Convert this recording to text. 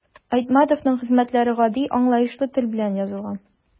Айтматовның хезмәтләре гади, аңлаешлы тел белән язылган.